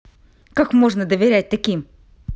как можно доверять таким